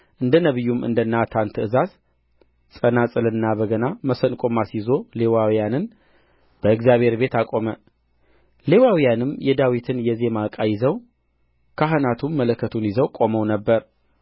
እንደ ነቢዩም እንደ ናታን ትእዛዝ ጸናጽልና በገና መሰንቆም አስይዞ ሌዋውያንን በእግዚአብሔር ቤት አቆመ ሌዋውያንም የዳዊትን የዜማ ዕቃ ይዘው ካህናቱም መለከቱን ይዘው ቆመው ነበር